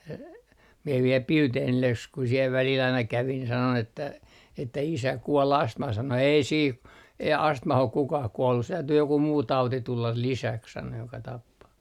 e minä vielä Bildenille s kun siellä välillä aina kävin sanoin että isä kuoli astmaan sanoi ei siihen ei astmaan ole kukaan kuollut se täytyy joku muu tauti tulla lisäksi sanoi joka tappaa